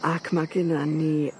Ac ma' gynna ni